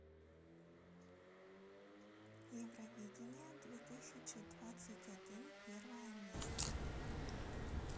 евровидение две тысячи двадцать один первое место